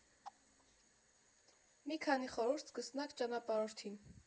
ՄԻ ՔԱՆԻ ԽՈՐՀՈՒՐԴ ՍԿՍՆԱԿ ՃԱՆԱՊԱՐՀՈՐԴԻՆ։